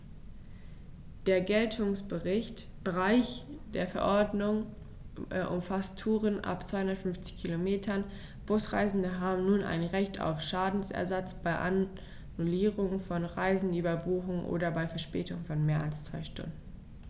Der Geltungsbereich der Verordnung umfasst Touren ab 250 Kilometern, Busreisende haben nun ein Recht auf Schadensersatz bei Annullierung von Reisen, Überbuchung oder bei Verspätung von mehr als zwei Stunden.